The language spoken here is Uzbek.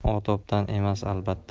odobdan emas albatta